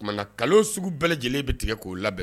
Oumana kalo sugu bɛɛ lajɛlen bɛ tigɛ k'o labɛn